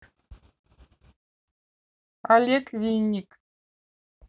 олег винник